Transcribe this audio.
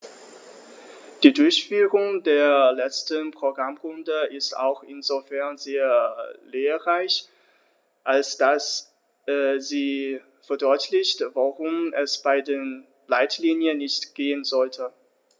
Die Durchführung der letzten Programmrunde ist auch insofern sehr lehrreich, als dass sie verdeutlicht, worum es bei den Leitlinien nicht gehen sollte.